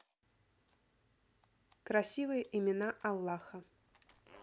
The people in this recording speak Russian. красивые имена аллаха